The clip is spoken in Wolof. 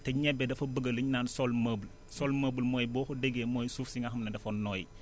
te ñebe dafa bëgg li ñu naan sol meuble sol meuble mooy boo ko déggee mooy suuf si nga xam ne dafa nooy